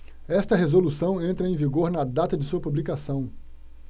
esta resolução entra em vigor na data de sua publicação